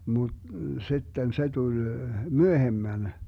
mutta sitten se tuli myöhemmän